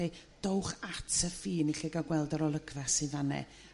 d'eu' dowch at y ffin i chi ga'l gweld yr olygfa sy fan 'ne.